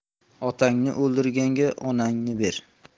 otangni o'ldirganga onangni ber